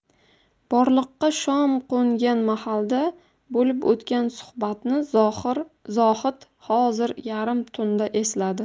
borliqqa shom qo'ngan mahalda bo'lib o'tgan suhbatni zohid hozir yarim tunda esladi